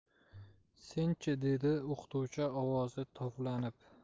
sen chi dedi o'qituvchi ovozi tovlanib